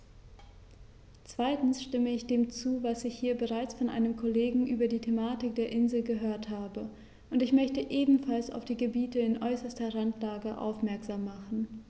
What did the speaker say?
Zweitens stimme ich dem zu, was ich hier bereits von einem Kollegen über die Thematik der Inseln gehört habe, und ich möchte ebenfalls auf die Gebiete in äußerster Randlage aufmerksam machen.